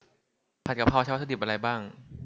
ผัดกะเพราใช้วัตถุดิบอะไรบ้าง